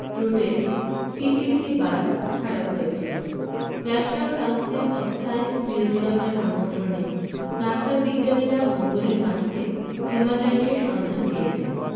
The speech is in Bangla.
রুটের সিটিসি বাস খারাপ হয়েছিলো ন্যাশনাল কাউন্সিল অফ সায়েন্স মিউজিয়ামের আমন্ত্রণে নাসার বিজ্ঞানীরা মঙ্গলের মাটিতে হেমাটাইটের সন্ধান পেয়েছেন